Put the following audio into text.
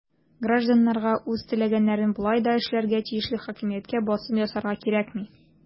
Гражданнарга үз теләгәннәрен болай да эшләргә тиешле хакимияткә басым ясарга кирәкми.